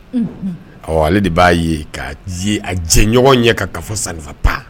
Ɔ ale de b'a ye k ka a jɛɲɔgɔn ye ka ka fɔ san pa